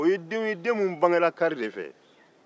o ye denw ye minnu bangera kari de fɛ